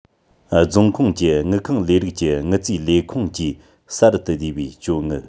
རྫོང ཁོངས ཀྱི དངུལ ཁང ལས རིགས ཀྱི དངུལ རྩའི ལས ཁུངས ཀྱིས གསར དུ བསྡུས པའི བཅོལ དངུལ